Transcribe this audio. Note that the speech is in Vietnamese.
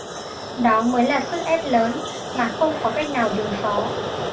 đó mới là sức ép lớn mà không có cách nào đối phó